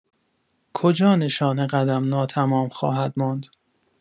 کجا نشان قدم ناتمام خواهد ماند؟